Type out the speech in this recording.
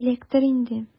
Эләктер инде!